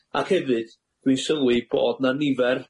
Ac hefyd dwi'n sylwi bod 'na nifer